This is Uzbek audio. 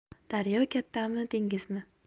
daryo kattami dengizmi